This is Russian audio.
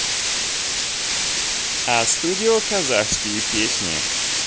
a'studio казахские песни